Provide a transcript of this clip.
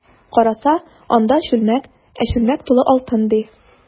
Караса, анда— чүлмәк, ә чүлмәк тулы алтын, ди.